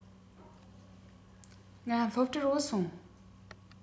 ང སློབ གྲྭར བུད སོང